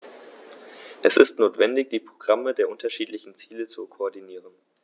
Es ist notwendig, die Programme der unterschiedlichen Ziele zu koordinieren.